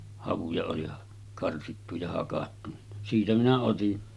havuja oli karsittu ja hakattu niin siitä minä otin